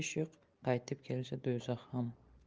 qaytib kelsa do'zax ham